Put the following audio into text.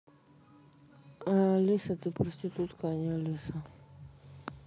алиса ты проститутка не алиса